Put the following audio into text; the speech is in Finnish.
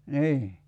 niin